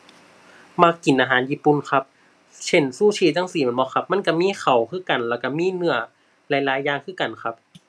มักกินอาหารญี่ปุ่นครับ เช่น ซูชิจั่งซี้แม่นบ่ครับ มันก็มีข้าวคือกัน แล้วก็มีเนื้อหลายหลายอย่างคือกันครับ